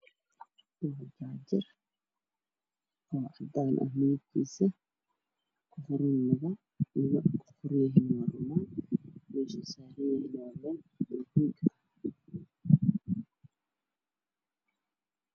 Waa sawir xayeysiis waxaa iiga muuqdo xarig jaajab oo midabkiisu yahay cadaan waxaa ka dambeeya buluug